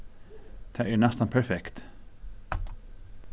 tað er næstan perfekt